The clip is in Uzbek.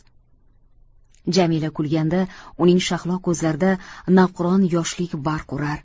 jamila kulganda uning shahlo ko'zlarida navqiron yoshlik barq urar